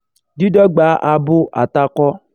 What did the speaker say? Dídọ̀gba abo atakọ